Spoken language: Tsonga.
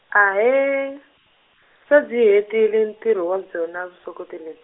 ahee, se byi hetile ntirho wa byona vusokoti leby-.